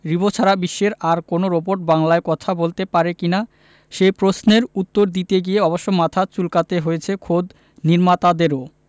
রিবো ছাড়া বিশ্বের আর কোনো রোবট বাংলায় কথা বলতে পারে কি না সে প্রশ্নের উত্তর দিতে গিয়ে অবশ্য মাথা চুলকাতে হয়েছে খোদ নির্মাতাদেরও